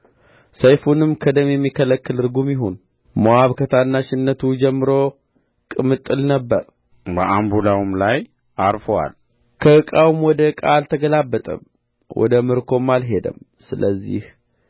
ሰይፉንም ከደም የሚከለክል ርጉም ይሁን ሞዓብ ከታናሽነቱ ጀምሮ ቅምጥል ነበረ በአምቡላውም ላይ ዐርፎአል ከዕቃውም ወደ ዕቃ አልተገላበጠም ወደ ምርኮም አልሄደም ስለዚህ